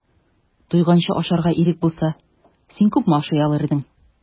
Туйганчы ашарга ирек булса, син күпме ашый алыр идең?